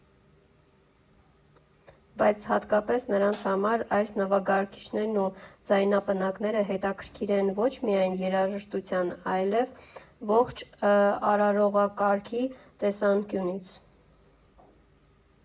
Բայց հատկապես նրանց համար այս նվագարկիչներն ու ձայնապնակները հետաքրքիր են ոչ միայն երաժշտության, այլև ողջ արարողակարգի տեսանկյունից։